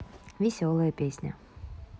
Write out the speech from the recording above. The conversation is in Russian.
веселая песня